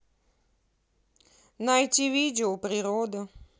найти видео природы